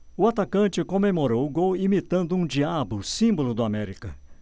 o atacante comemorou o gol imitando um diabo símbolo do américa